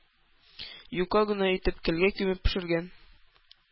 Юка гына итеп көлгә күмеп пешергән